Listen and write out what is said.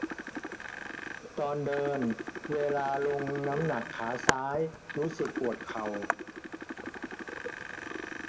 ตอนเดินเวลาลงน้ำหนักขาซ้ายรู้สึกปวดเข่า